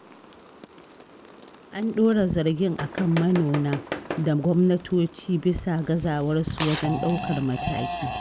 An ɗora zargin a kan manona da gwamnatoci bisa gazawarsu wajen ɗaukar mataki.